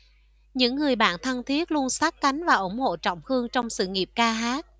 những người bạn thân thiết luôn sát cánh và ủng hộ trọng khương trong sự nghiệp ca hát